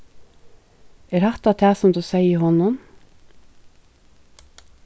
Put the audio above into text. er hatta tað sum tú segði honum